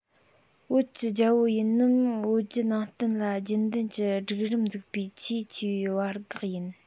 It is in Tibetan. ཆོས ཀྱི རྒྱལ པོ ཡིན ནམ བོད བརྒྱུད ནང བསྟན ལ རྒྱུན ལྡན གྱི སྒྲིག རིམ འཛུགས པའི ཆེས ཆེ བའི བར གེགས ཡིན